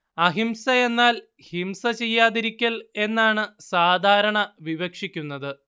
അഹിംസ എന്നാൽ ഹിംസ ചെയ്യാതിരിക്കൽ എന്നാണ് സാധാരണ വിവക്ഷിക്കുന്നത്